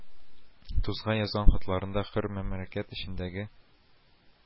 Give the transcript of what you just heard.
Тузга язган хатлар ында хөр мәмләкәт эчендәге